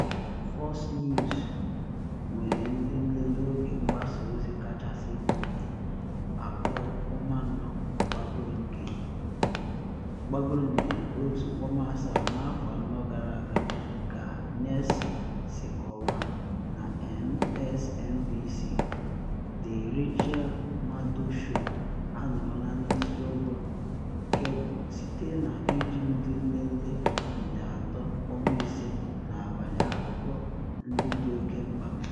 Fox News nwere ndị nlele oge mgbasa ozi kachasị bụ nde 2.4, gbagoro nde 1.7 n’afọ anọ gara aga, ka Nielsen si kọwaa, na MSNBC “The Rachel Maddow Show” anọrọla n’isi ogo kebụl site na iji ndị nlele nde 3.5 n’abalị akụkọ ndị dị oke mkpa mere.